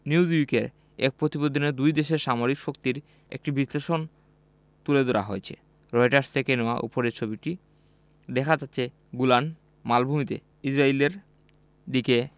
নিউজউইকের এক প্রতিবেদনে দুই দেশের সামরিক শক্তির একটি বিশ্লেষণ তুলে ধরা হয়েছে রয়টার্স থেকে নেয়া উপরের ছবিটিতে দেখা যাচ্ছে গোলান মালভূমিতে ইসরায়েলের দিকের